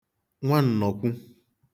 nwaǹnọ̀kwu